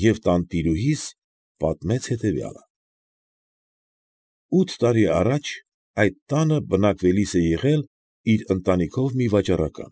Եվ տանտիրուհիս պատմեց հետևյալը. Ութ տարի առաջ այդ տանը բնակվելիս է եղել իր ընտանիքով մի վաճառական։